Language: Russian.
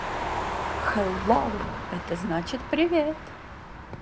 hello это значит привет